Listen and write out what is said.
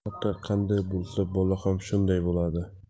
ota qanday bo'lsa bola ham shunda bo'ladi